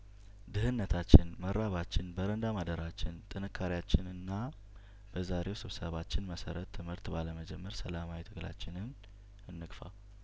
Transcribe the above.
ድህነታችን መራባችን በረንዳ ማደራችን ጥንካሬያችን እና በዛሬው ስብሰባችን መሰረት ትምህርት ባለመጀመር ሰላማዊ ትግላችንን እንግፋ